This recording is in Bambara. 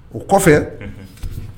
O kɔfɛ